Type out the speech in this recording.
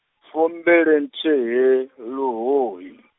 fumbilinthihi luhuhi.